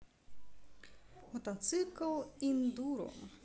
мотоцикл индуро